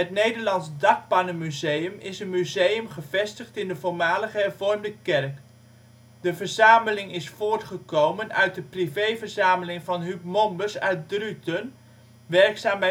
Nederlands Dakpannenmuseum is een museum, gevestigd in de voormalige Hervormde kerk. De verzameling is voortgekomen uit de privéverzameling van Huub Mombers uit Druten, werkzaam